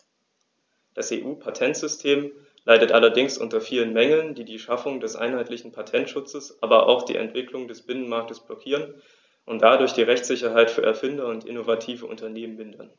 Das EU-Patentsystem leidet allerdings unter vielen Mängeln, die die Schaffung eines einheitlichen Patentschutzes, aber auch die Entwicklung des Binnenmarktes blockieren und dadurch die Rechtssicherheit für Erfinder und innovative Unternehmen mindern.